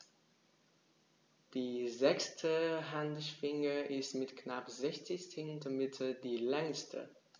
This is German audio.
Die sechste Handschwinge ist mit knapp 60 cm die längste.